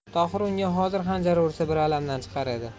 tohir unga hozir xanjar ursa bir alamdan chiqar edi